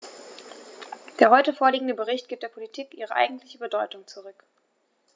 Der heute vorliegende Bericht gibt der Politik ihre eigentliche Bedeutung zurück.